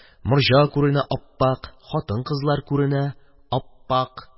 Морҗа күренә – ап-ак, хатын-кызлар күренә – ап-ак.